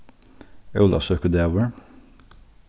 ólavsøkudagur